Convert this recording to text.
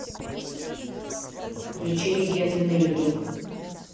включи легенды на ютуб